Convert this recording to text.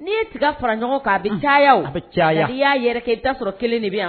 N'i ye tiga fara ɲɔgɔn kana bɛ taa o caya ii y'a yɛrɛ i da sɔrɔ kelen de bɛ